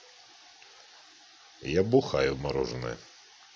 я бухаю мороженное